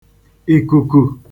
ìkùkù